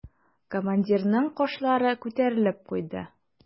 Командирның кашлары күтәрелеп куйды.